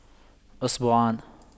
أسبوعان